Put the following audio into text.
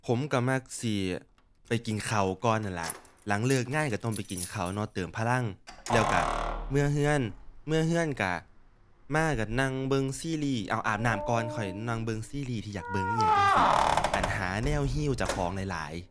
ผมก็มักสิ ไปกินข้าวก่อนนั่นล่ะ หลังเลิกงานก็ต้องไปกินข้าวเนาะ เติมพลัง แล้วก็เมือก็ เมือก็ก็ มาก็นั่งเบิ่งซีรีส์ เอ้า อาบน้ำก่อนค่อยนั่งเบิ่งซีรีส์ที่อยากเบิ่งอิหยังจั่งซี้ อั่น หาแนวฮีลเจ้าของหลายหลาย